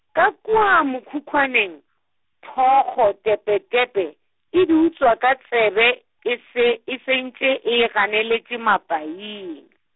ka kua mokhukhwaneng, phokgo tepetepe, e di utswa ka tsebe, e se, e se ntše e ganeletše mapaing.